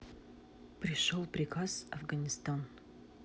пришел приказ афганистан